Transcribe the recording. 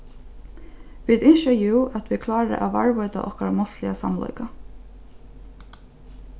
vit ynskja jú at vit klára at varðveita okkara málsliga samleika